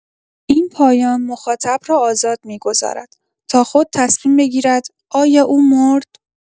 این پایان مخاطب را آزاد می‌گذارد تا خود تصمیم بگیرد: آیا او مرد؟